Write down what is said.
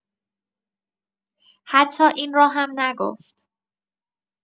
حتی این را هم نگفت.